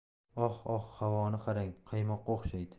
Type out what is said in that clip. oh oh havoni qarang qaymoqqa o'xshaydi